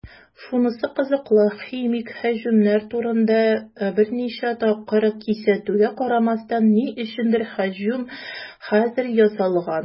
Шунысы кызыклы, химик һөҗүмнәр турында берничә тапкыр кисәтүгә карамастан, ни өчендер һөҗүм хәзер ясалган.